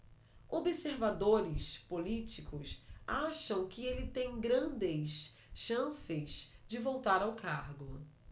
observadores políticos acham que ele tem grandes chances de voltar ao cargo